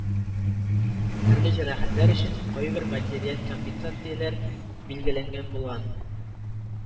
Төрле җәрәхәтләр өчен кайбер материаль компенсацияләр билгеләгән булган